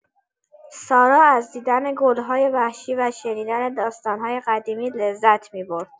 سارا از دیدن گل‌های وحشی و شنیدن داستان‌های قدیمی لذت می‌برد.